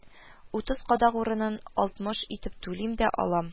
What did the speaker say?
Утыз кадак урынына алтмыш итеп түлим дә, алам